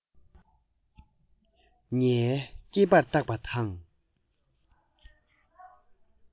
ངའི སྐེད པར བཏགས པ དང